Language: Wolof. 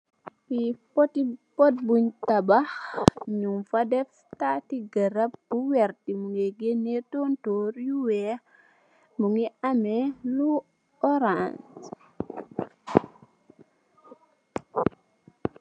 Li poti pot bung tabax nyun fa def tati garab bu werta monge genee tonturr yu weex mongi ame lu orance.